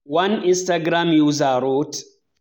One Instagram user wrote: